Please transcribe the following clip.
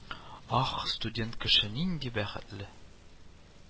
Ах, студент кеше нинди бәхетле